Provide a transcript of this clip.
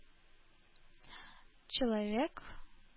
Человек